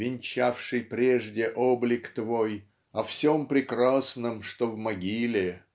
Венчавшей прежде облик твой О всем прекрасном что в могиле